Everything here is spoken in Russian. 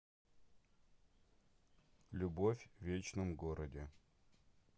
любовь в вечном городе